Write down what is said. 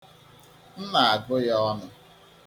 M na-agụ ya ọnụ.